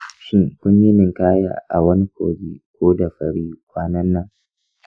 shin kun yi ninkaya a wani kogi ko dafari kwanan nan?